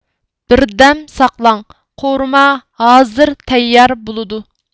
بىردەم ساقلاڭ قورۇما ھازىرلا تەييار بولىدۇ